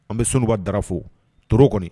An bɛ sunba darafo to kɔni